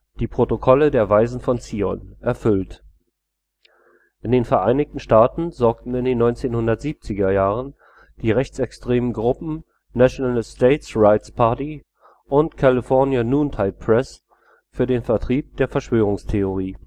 Die Protokolle der Weisen von Zion – erfüllt!. In den Vereinigten Staaten sorgten in den 1970er Jahren die rechtsextremen Gruppierungen National States’ Rights Party und California Noontide Press für den Vertrieb der Verschwörungstheorie